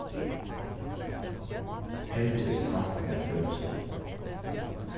herdis lænti mær bókina